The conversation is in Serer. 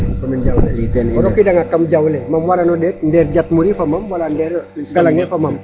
Commune Diawle o rokiidanga kam Diawle mam warano ɗeet ndeer Diatmouri fo mam wala Ngalagne; fra fo mam .